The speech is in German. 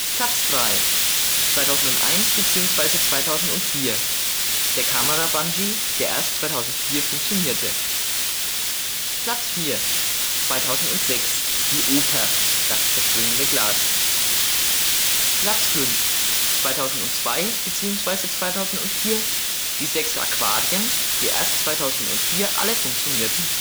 Platz 3: 2001 bzw. 2004: Der Kamera-Bungee der erst 2004 funktionierte Platz 4: 2006: Die Oper (das zerspringende Glas) Platz 5: 2002 bzw. 2004: Die sechs Aquarien die erst 2004 alle funktionierten